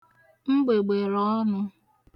mgbègbèrè ọnụ̄